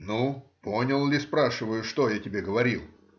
— Ну, понял ли,— спрашиваю,— что я тебе говорил?